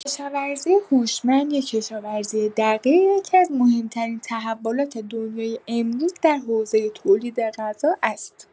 کشاورزی هوشمند یا کشاورزی دقیق یکی‌از مهم‌ترین تحولات دنیای امروز در حوزه تولید غذا است.